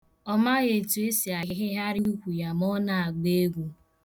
Ọ maghị etu e si ahịgharị ukwu ya ma ọ na-agba egwu.